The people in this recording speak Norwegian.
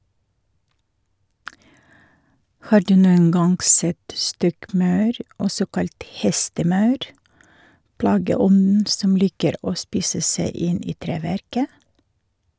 Har du noen gang sett stokkmaur, også kalt hestemaur, plageånden som liker å spise seg inn i treverket?